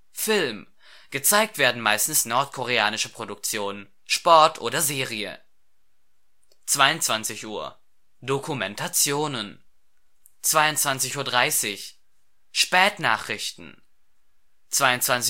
Film (gezeigt werden meistens nordkoreanische Produktionen), Sport oder Serie 22:00 Dokumentationen 22:30 Spätnachrichten 22:45